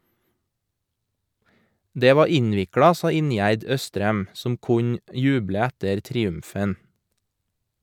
Det var innvikla sa Ingjerd Østrem , som kunne juble etter triumfen.